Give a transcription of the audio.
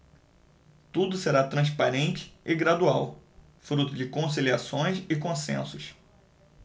tudo será transparente e gradual fruto de conciliações e consensos